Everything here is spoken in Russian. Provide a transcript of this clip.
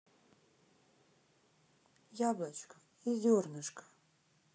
яблочко и зернышко